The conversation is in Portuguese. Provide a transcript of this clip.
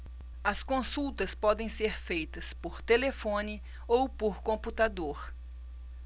as consultas podem ser feitas por telefone ou por computador